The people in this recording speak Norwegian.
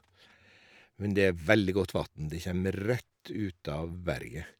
Men det er veldig godt vatn, det kjem rett ut av berget.